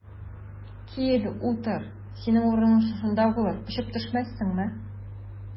Кил, утыр, синең урының шушында булыр, очып төшмәссеңме?